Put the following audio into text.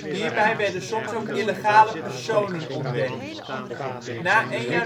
Hierbij werden soms ook ' illegale ' personen ontdekt. Na 1